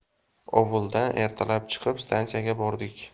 ovuldan ertalab chiqib stansiyaga bordik